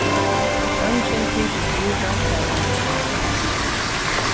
eingin tykist vita hvar hann er